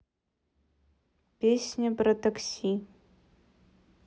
песня про такси